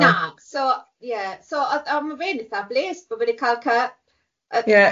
Na so ie so odd o ma fe'n itha bles bo' fe di cal cy yy... Ie.